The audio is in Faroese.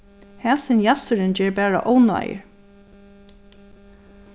hasin jassurin ger bara ónáðir